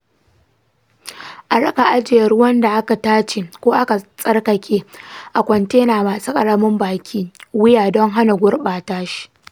a rika ajiye ruwan da aka tace ko aka tsarkake a kwantena masu karamin baki/wuya don hana gurɓata shi.